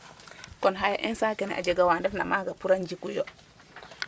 kon xay intant kene a jega wa ndef na maga pour a njiku yo